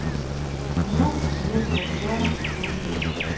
у нас нет дождя трудно